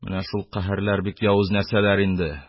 Менә шул каһәрләр бик явыз нәрсәләр инде.